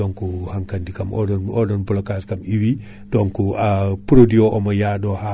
ñamre arore kaadi ine ñama ndemateri wawata ɗum